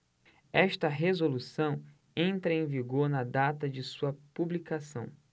esta resolução entra em vigor na data de sua publicação